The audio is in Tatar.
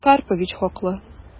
Карпович хаклы...